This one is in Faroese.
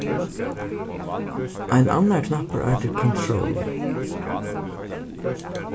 ein annar knappur eitur control